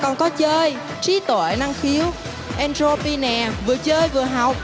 còn có chơi trí tuệ năng khiếu en rô pi nè vừa chơi vừa học